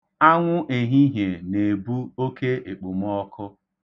Anwụ ehihie na-ebu oke ekpomọọkụ.